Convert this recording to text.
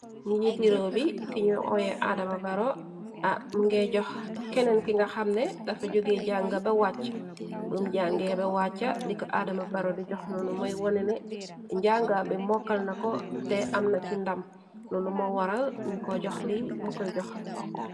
Nigitiirew bi ki ñu oye adama baro m ngee jox keneen ki nga xamne dafa jogee jànga ba wàcc bum jànge ba wàcca li ko adama baro di jox nonu moy wone ne njànga bi mokkal na ko te amna ci ndàm lulu ma wara ñu ko jox li mu koy jox.